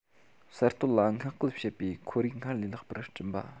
གསར གཏོད ལ བསྔགས སྐུལ བྱེད པའི ཁོར ཡུག སྔར ལས ལྷག པར བསྐྲུན པ